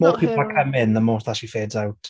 The more people that come in, the more fast she fades out.